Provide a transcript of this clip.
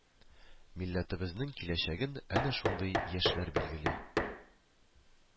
Милләтебезнең киләчәген әнә шундый яшьләр билгели